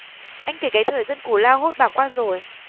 anh kể cái thời dân cù lao hốt bạc qua rồi